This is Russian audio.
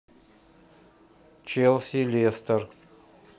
челси лестер